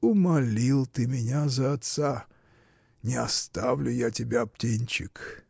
Умолил ты меня за отца; не оставлю я тебя, птенчик.